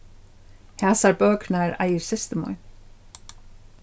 hasar bøkurnar eigur systir mín